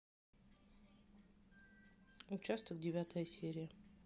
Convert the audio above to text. участок девятая серия